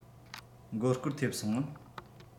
མགོ སྐོར ཐེབས སོང ངམ